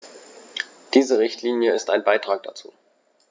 Diese Richtlinie ist ein Beitrag dazu.